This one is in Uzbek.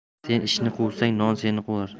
sen ishni quvsang non seni quvar